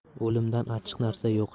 o'limdan achchiq narsa yo'q